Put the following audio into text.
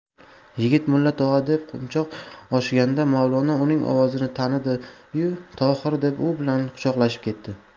yigit mulla tog'a deb quchoq ochganda mavlono uning ovozini tanidi yu tohir deb u bilan quchoqlashib ketdi